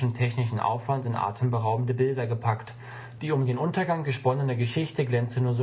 technischen Aufwand in atemberaubende Bilder gepackt. Die um den Untergang gesponnene Geschichte glänze